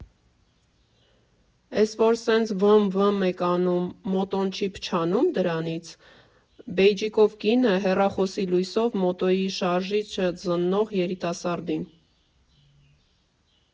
֊Էս որ սենց վըըըմ վըըըմ եք անում, մոտոն չի փչանու՞մ դրանից, ֊ բեյջիկով կինը՝ հեռախոսի լույսով մոտոյի շարժիչը զննող երիտասարդին։